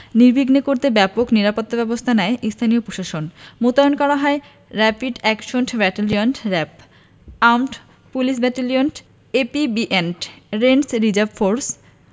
নির্বিঘ্ন করতে ব্যাপক নিরাপত্তাব্যবস্থা নেয় স্থানীয় প্রশাসন মোতায়েন করা হয় rapid action battalion RAB armed police battalion APBN range reserve force